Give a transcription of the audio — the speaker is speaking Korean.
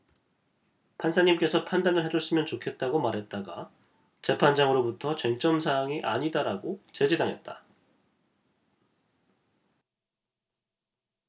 판사님께서 판단을 해줬으면 좋겠다고 말했다가 재판장으로부터 쟁점 사항이 아니다라고 제지당했다